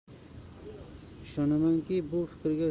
ishonamanki bu fikrga